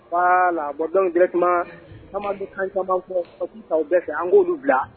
Baba bɔdenw g tuma ha an caman fɔ a k'aw bɛɛ fɛ an k'oolu bila